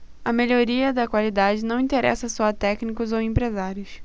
a melhoria da qualidade não interessa só a técnicos ou empresários